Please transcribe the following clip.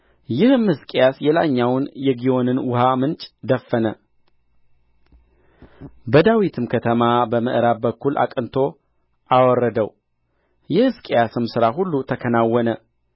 ይህም ሕዝቅያስ የላይኛውን የግዮንን ውኃ ምንጭ ደፈነ በዳዊትም ከተማ በምዕራብ በኩል አቅንቶ አወረደው የሕዝቅያስም ሥራ ሁሉ ተከናወነ